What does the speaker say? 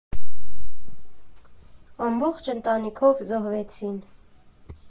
Ամբողջ ընտանիքով զոհվեցին։